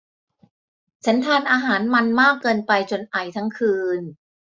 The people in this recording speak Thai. ฉันทานอาหารมันมากเกินไปจนไอทั้งคืน